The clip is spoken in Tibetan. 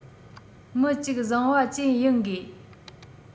མི གཅིག བཟང བ བཅས ཡིན དགོས